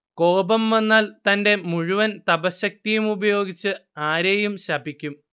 കോപം വന്നാൽ തന്റെ മുഴുവൻ തപഃശക്തിയും ഉപയോഗിച്ച് ആരെയും ശപിക്കും